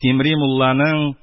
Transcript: Тимри мулланың